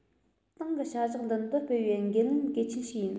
ཏང གི བྱ གཞག མདུན དུ སྤེལ བའི འགན ལེན གལ ཆེན ཞིག ཡིན